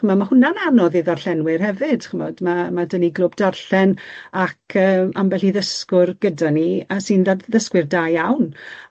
Ch'mo' ma' hwnna'n anodd i ddarllenwyr hefyd ch'mod ma' ma' 'dan ni'n glwb darllen ac yy ambell i ddysgwr gyda ni a sy'n ddad- ddysgwyr da iawn.